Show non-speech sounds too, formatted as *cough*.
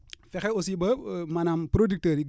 fexe aussi ba *hesitation* maanaam producteur yi